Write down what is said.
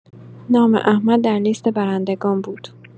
نام احمد در لیست برندگان بود.